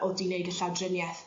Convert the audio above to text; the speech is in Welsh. ...o'dd di neud y llawdrinieth